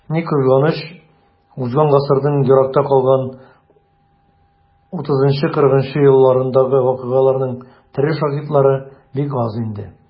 Ни кызганыч, узган гасырның еракта калган 30-40 нчы елларындагы вакыйгаларның тере шаһитлары бик аз инде.